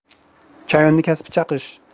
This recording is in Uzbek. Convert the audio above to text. chayonning kasbi chaqish